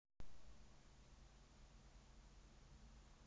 пойти на улицу блять